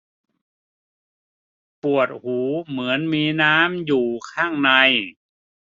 ปวดหูเหมือนมีน้ำอยู่ข้างใน